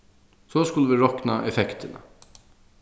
so skulu vit rokna effektina